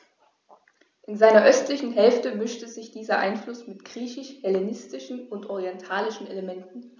In seiner östlichen Hälfte mischte sich dieser Einfluss mit griechisch-hellenistischen und orientalischen Elementen.